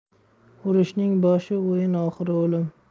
urushning boshi o'yin oxiri o'lim